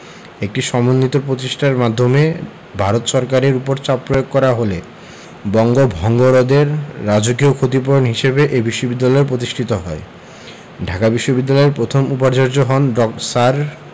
একটি সমন্বিত পচেষ্টার মাধ্যমে ভারত সরকারের ওপর চাপ প্রয়োগ করা হলে বঙ্গভঙ্গ রদের রাজকীয় ক্ষতিপূরণ হিসেবে এ বিশ্ববিদ্যালয় পতিষ্ঠিত হয় ঢাকা বিশ্ববিদ্যালয়ের প্রথম উপাচার্য হন স্যার